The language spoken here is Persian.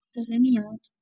داره میاد؟